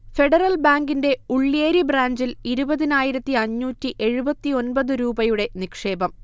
federal ബാങ്കിൻെറ ഉള്ള്യേരി ബ്രാഞ്ചിൽ ഇരുപതിനായിരത്തി അഞ്ഞൂറ്റി എഴുപത്തിയൊന്പത് രൂപയുടെ നിക്ഷേപം